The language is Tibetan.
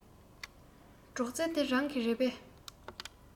སྒྲོག རྩེ འདི རང གི རེད པས